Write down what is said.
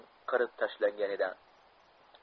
qirib tashlangan edi